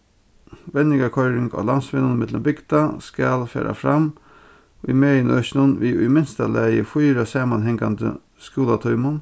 venjingarkoyring á landsvegnum millum bygda skal fara fram í meginøkinum við í minsta lagi fýra samanhangandi skúlatímum